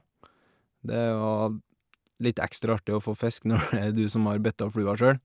Det var litt ekstra artig å få fisk når det er du som har betta flua sjøl.